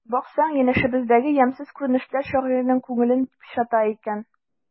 Баксаң, янәшәбездәге ямьсез күренешләр шагыйрьнең күңелен пычрата икән.